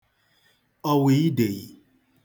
ọ̀wàidèyì